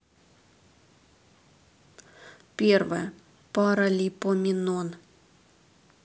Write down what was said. первая паралипоменон